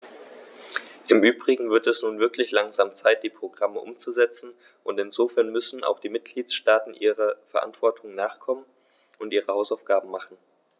Im übrigen wird es nun wirklich langsam Zeit, die Programme umzusetzen, und insofern müssen auch die Mitgliedstaaten ihrer Verantwortung nachkommen und ihre Hausaufgaben machen.